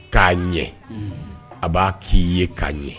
K'a ɲɛ a b'a k'i ye k'a ɲɛ